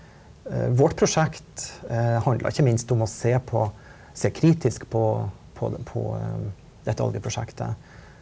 vårt prosjekt handler ikke minst om å se på se kritisk på på det på dette oljeprosjektet.